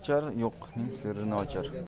sochar yo'qning sirini ochar